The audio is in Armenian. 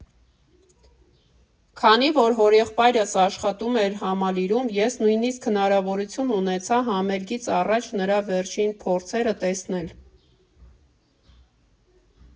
Քանի որ հորեղբայրս աշխատում էր Համալիրում, ես նույնիսկ հնարավորություն ունեցա համերգից առաջ նրա վերջին փորձերը տեսնել։